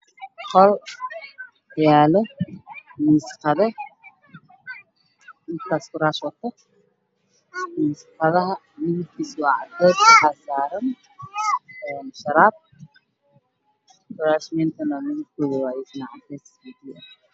Qol yaalo miis qado miiskaas kuraas wato miisadaha midabkiisa waa cadaan waxaa saaran sharaab midabkeedana waa ay fiicantahay